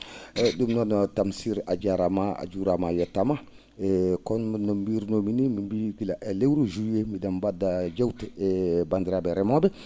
eeyi ?um noon Tamsir a jaaraama a juuraama a yettaama e kono no mbirunoomi nii min mbiyii gila e lewru juillet bi?en mba?da jeewte e banndiraa?e remoo?e